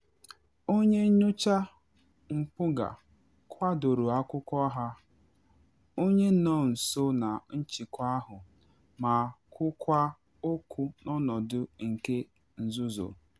Onye nyocha mpụga kwadoro akụkọ ha, onye nọ nso na nchịkwa ahụ ma kwukwaa okwu n’ọnọdụ nke nzuzo.